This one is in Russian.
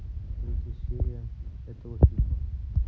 третья серия этого фильма